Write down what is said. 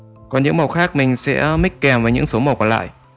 còn những màu khác mình sẽ mix kèm với số màu còn lại